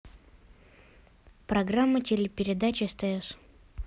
программа телепередач стс